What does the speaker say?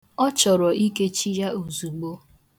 Ọ chọrọ ikechi ya ozugbo.